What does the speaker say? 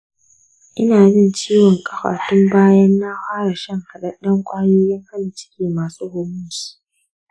ina jin ciwon ƙafa tun bayan na fara shan haɗedden kwayoyin hana ciki masu hormones .